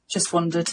Just wondered.